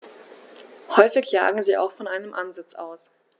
Häufig jagen sie auch von einem Ansitz aus.